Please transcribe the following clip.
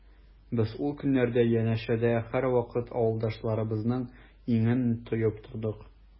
Без ул көннәрдә янәшәдә һәрвакыт авылдашларыбызның иңен тоеп тордык.